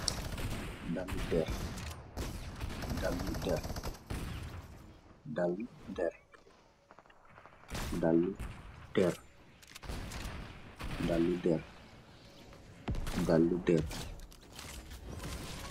Dalliyi dèr, dalliyi dèr.